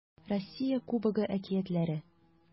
Россия Кубогы әкиятләре